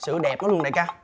xử đẹp nó luôn đại ca